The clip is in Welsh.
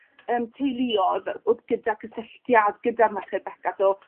yym teuluodd odd gyda cysylltiad gyda'r Merched Beca so